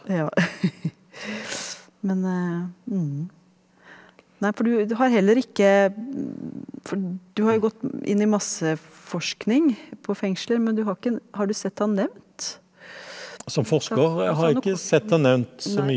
ja men ja nei for du du har heller ikke for du har jo gått inn i masse forskning på fengsler, men du har ikke har du sett han nevnt nei?